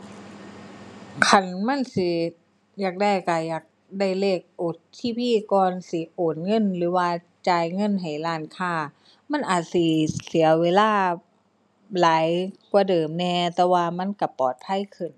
คันมันสิอยากได้ ก็อยากได้เลข OTP ก่อนสิโอนเงิน หรือว่าจ่ายเงินให้ร้านค้า มันอาจสิเสียเวลาหลายกว่าเดิมแหน่ แต่ว่ามันก็ปลอดภัยขึ้น